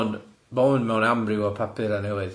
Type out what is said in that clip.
mewn amryw o papura newydd.